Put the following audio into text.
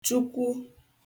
chukwu